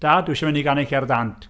Dad, dwi isio mynd i ganu cerdd dant.